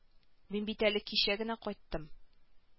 Мин бит әле кичә генә кайттым